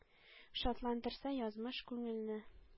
Шатландырса язмыш күңелне,